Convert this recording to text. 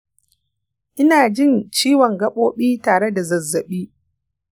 ina jin ciwon gabobi tare da zazzaɓi